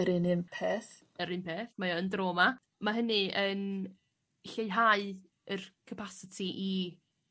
Yr un un peth. Yr un peth mae o yn drawma. Ma' hynny yn lleihau yr capasiti i